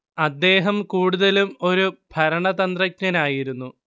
അദ്ദേഹം കൂടുതലും ഒരു ഭരണതന്ത്രജ്ഞനായിരുന്നു